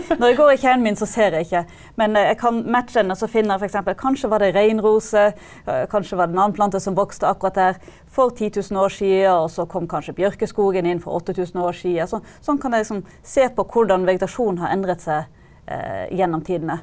når jeg går i kjernen min så ser jeg ikke, men jeg kan matche den så finne f.eks. kanskje var det reinrose kanskje var det en annen plante som vokste akkurat der for 10000 år sia, og så kom kanskje bjørkeskogen inn for 8000 år sia så sånn kan jeg liksom se på hvordan vegetasjonen har endret seg gjennom tidene.